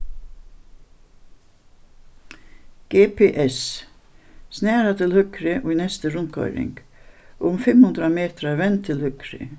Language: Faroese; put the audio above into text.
gps snara til høgru í næstu rundkoyring um fimm hundrað metrar vend til høgru